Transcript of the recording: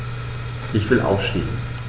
Ich will aufstehen.